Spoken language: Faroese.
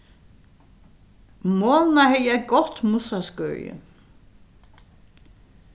mona hevði eitt gott mussaskøði